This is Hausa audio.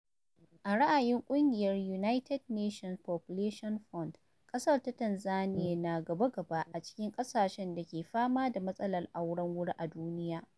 A ra'ayin ƙungiyar United Nations Population Fund, ƙasar ta Tanzaniya na gaba-gaba a cikin ƙasashe da ke fama da matsalar auren wuri a duniya.